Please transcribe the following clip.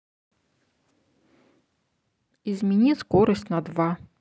измени скорость на два